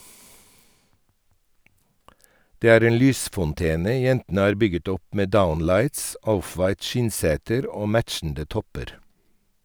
Det er en lysfontene jentene har bygget opp med downlights, offwhite skinnseter og matchende topper.